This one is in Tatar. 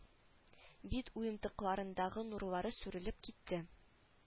Бит уемтыкларындагы нурлары сүрелеп китте